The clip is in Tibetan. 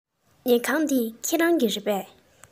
ཉལ ཁང འདི ཁྱེད རང གི རེད པས